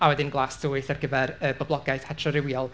A wedyn, glas tywyll ar gyfer y boblogaeth heterorywiol.